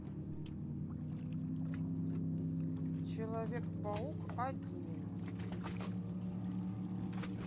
человек паук один